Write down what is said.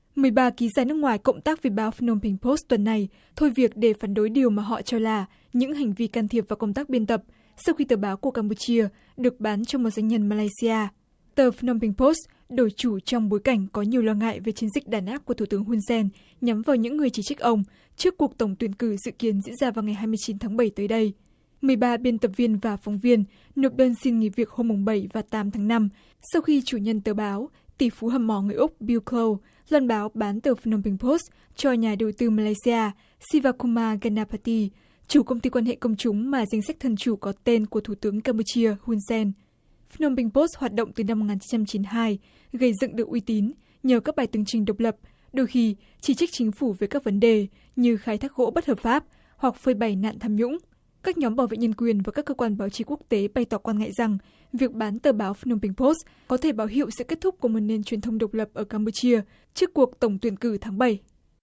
mười ba ký ra nước ngoài cộng tác với báo phờ nôm pênh pốt tuần này thôi việc để phản đối điều mà họ cho là những hành vi can thiệp vào công tác biên tập sau khi tờ báo của cam pu chia được bán cho một doanh nhân ma lay si a tờ phờ nôm pênh pốt đổi chủ trong bối cảnh có nhiều lo ngại về chiến dịch đàn áp của thủ tướng hun sen nhắm vào những người chỉ trích ông trước cuộc tổng tuyển cử dự kiến diễn ra vào ngày hai mươi chín tháng bảy tới đây mười ba biên tập viên và phóng viên nộp đơn xin nghỉ việc hôm mùng bảy và tám tháng năm sau khi chủ nhân tờ báo tỷ phú hầm mỏ người úc biu câu lần báo bán từ phờ nôm pênh pốt cho nhà đầu tư ma lay xi a xi va cu ma ghe na pa ti chủ công ty quan hệ công chúng mà danh sách thân chủ có tên của thủ tướng campuchia hun sen phờ nôm pênh pốt hoạt động từ năm một ngàn chín trăm chín hai gây dựng được uy tín nhờ các bài tường trình độc lập đôi khi chỉ trích chính phủ về các vấn đề như khai thác gỗ bất hợp pháp hoặc phơi bày nạn tham nhũng các nhóm bảo vệ nhân quyền và các cơ quan báo chí quốc tế bày tỏ quan ngại rằng việc bán tờ báo phờ nôm pênh pốt có thể báo hiệu sẽ kết thúc của một nền truyền thông độc lập ở cam pu chia trước cuộc tổng tuyển cử tháng bảy